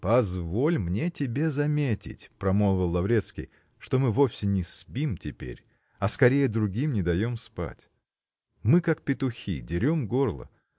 -- Позволь мне тебе заметить, -- промолвил Лаврецкий, -- что мы вовсе не спим теперь, а скорее другим не даем спать. Мы, как петухи, дерем горло.